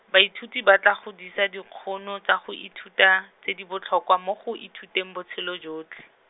baithuti ba tla godisa dikgono tsa go ithuta, tse di botlhokwa mo go ithuteng botshelo jotlhe.